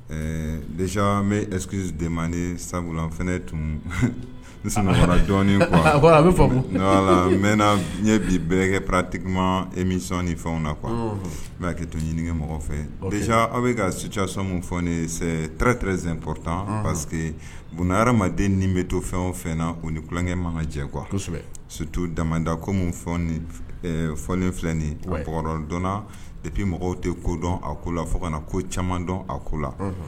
Ɛɛ dez bɛ eskisi de ma ni sabula tunraɔni a n ɲɛ bi bɛɛkɛ paratima e min sɔn ni fɛnw na kuwa b'a kɛ to ɲinimɔgɔ fɛzc aw bɛ ka suson fɔɛrɛretrezep tan paseke munna hadamaden min bɛ to fɛn o fɛn na o ni kukɛ mankan jɛ kuwa sutu damada ko fɔ filɛɔrɔndɔnna dep mɔgɔw tɛ kodɔn a ko la fo kana na ko caman dɔn a ko la